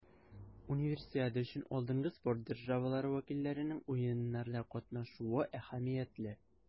Универсиада өчен алдынгы спорт державалары вәкилләренең Уеннарда катнашуы әһәмиятле.